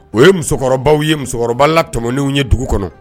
O ye musokɔrɔbaw ye musokɔrɔba latɔmɔnenw ye dugu kɔnɔ.